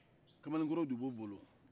kamalenkɔrɔ de b'u bolo